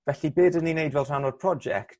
Felly be' 'dyn ni neud fel rhan o'r project